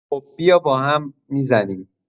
خب بیا با هم می‌زنیم